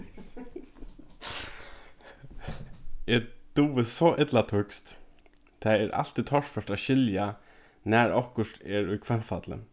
eg dugi so illa týskt tað er altíð torført at skilja nær okkurt er í hvønnfalli